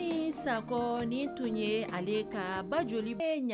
Ni sakɔ ni tun ye ale ka ba joli bɛ